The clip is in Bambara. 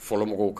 Fɔlɔmɔgɔw kan